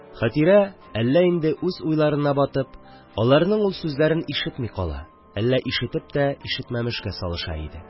Хәтирә, әллә инде үз уйларына батып, аларның ул сүзләрен ишетми кала, әллә ишетеп тә ишетмәмешкә салыша иде.